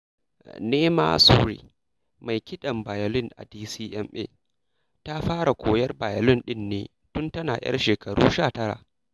Neema Surri, mai kiɗan bayolin a DCMA ta fara koyar bayolin ɗin ne tun tana 'yar shekaru 19.